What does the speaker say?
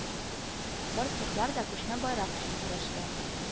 Бар цехлар да күчмә байрак өчен көрәшкә